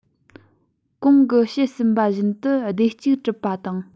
གོང དུ བཤད ཟིན པ བཞིན དུ སྡེ གཅིག གྲུབ པ དང